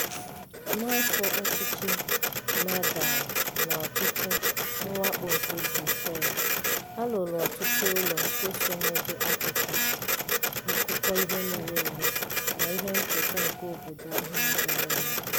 N'afọ ọchịchị Maghal na ọchichị mwakpo nke Britain, a rụrụ ọtụtụ ụlọ nke so mebee akụkụ akụkọ ihe mere eme na ihe nketa nke obodo ahụ mepere emepe.